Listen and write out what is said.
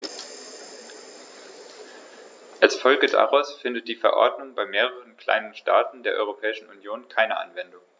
Als Folge daraus findet die Verordnung bei mehreren kleinen Staaten der Europäischen Union keine Anwendung.